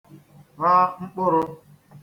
gha mkpụ̄rụ̄